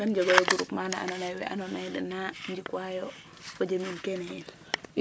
Gan njeg groupement na andoona ye wa we andoona ye den na njikwaayo fo jem ole yiin kene yiin?